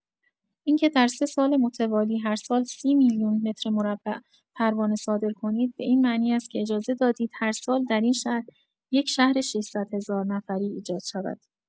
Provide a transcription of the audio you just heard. اینکه در سه سال متوالی، هر سال ۳۰ میلیون مترمربع پروانه صادر کنید، به این معنی است که اجازه دادید هر سال در این شهر، یک شهر ۶۰۰ هزار نفری ایجاد شود.